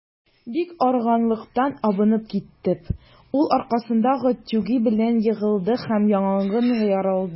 Бик арыганлыктан абынып китеп, ул аркасындагы тюгы белән егылды һәм яңагын яралады.